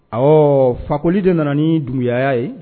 Awɔ Fakoli de nana ni dunbiyaya ye